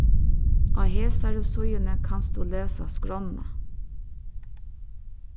á hesari síðuni kanst tú lesa skránna